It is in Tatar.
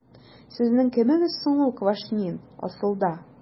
Сезнең кемегез соң ул Квашнин, асылда? ..